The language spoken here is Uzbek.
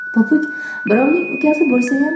popuk birovning ukasi bo'lsayam